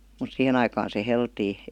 mutta siihen aikaan se heltiää